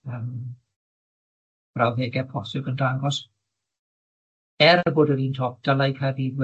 yym brawddege posib yn dangos er bod yr un top dylai Caerdydd